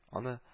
Аны